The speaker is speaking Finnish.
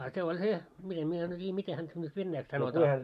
a se oli se miten minä en tiedä miten häntä nyt venäjäksi sanotaan